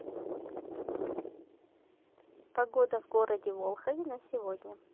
погода в городе волхове на сегодня